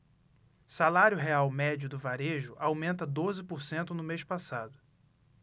salário real médio do varejo aumenta doze por cento no mês passado